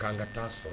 K' an ka taa'a sɔrɔ